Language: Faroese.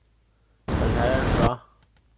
koyr harðari frá